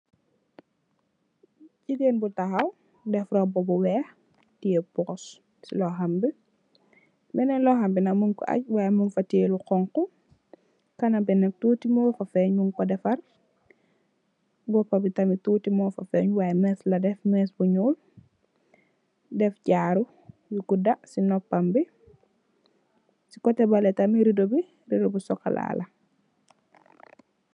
Jigen bu taxaw def robu bu wex tiye pose ci loxom Benin loxom bi munko aagi way mungfa tiye lu xonxu kaname bi nak toti mo fêne mung ko defar bopu bi tamit toti mo feene wy mees la def mees bu njul def jarou bopu yu goodu ci kote bale rido bi rido bi socola